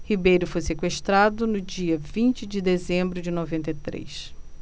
ribeiro foi sequestrado no dia vinte de dezembro de noventa e três